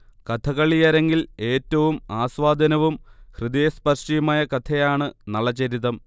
കഥകളിയരങ്ങിൽ ഏറ്റവും ആസ്വാദനവും ഹൃദയസ്പർശിയുമായ കഥയാണ് നളചരിതം